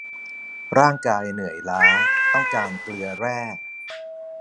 ร่างกายเหนื่อยล้าต้องการเกลือแร่